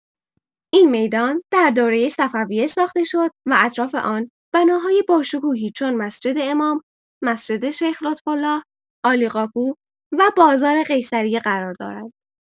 این میدان در دوره صفویه ساخته شد و اطراف آن بناهای باشکوهی چون مسجد امام، مسجد شیخ لطف‌الله، عالی‌قاپو و بازار قیصریه قرار دارند.